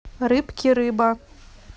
рыбки рыба